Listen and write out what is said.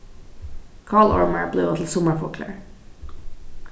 kálormar blíva til summarfuglar